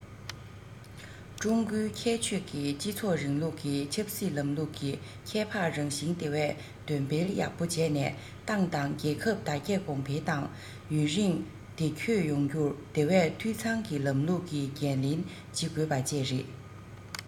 ཀྲུང གོའི ཁྱད ཆོས ཀྱི སྤྱི ཚོགས རིང ལུགས ཀྱི ཆབ སྲིད ལམ ལུགས ཀྱི ཁྱད འཕགས རང བཞིན དེ བས འདོན སྤེལ ཡག པོ བྱས ནས ཏང དང རྒྱལ ཁབ དར རྒྱས གོང འཕེལ དང ཡུན རིང བདེ འཁོད ཡོང རྒྱུར དེ བས འཐུས ཚང གི ལམ ལུགས ཀྱི འགན ལེན བྱེད དགོས པ བཅས རེད